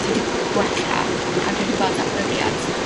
dwi 'di gwella, a dw i 'di gweld datblygiad.